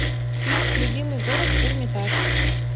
тиль любимый город эрмитаж